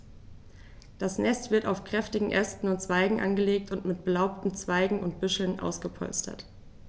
Das Nest wird aus kräftigen Ästen und Zweigen angelegt und mit belaubten Zweigen und Büscheln ausgepolstert.